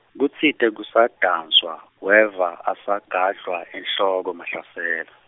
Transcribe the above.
kutsite kusadanswa, weva asagadlwa, enhloko Mahlasela.